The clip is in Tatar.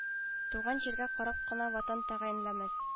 Туган җиргә карап кына ватан тәгаенләмәс